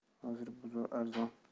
hozir bozor arzon